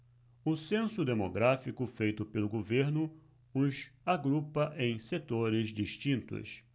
o censo demográfico feito pelo governo os agrupa em setores distintos